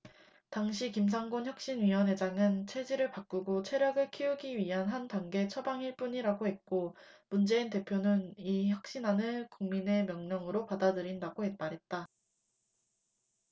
당시 김상곤 혁신위원회장은 체질을 바꾸고 체력을 키우기 위한 한 단계 처방일 뿐이라고 했고 문재인 대표는 이 혁신안을 국민의 명령으로 받아들인다고 말했다